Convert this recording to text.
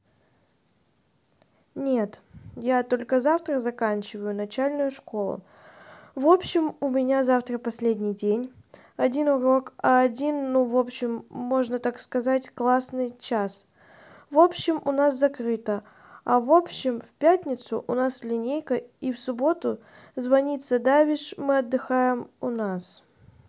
нет я только завтра заканчиваю начальную школу в общем у меня завтра последний день один урок а один ну в общем можно так сказать классный час в общем у нас закрыто а в общем в пятницу у нас линейка и в субботу звониться давишь мы отдыхаем у нас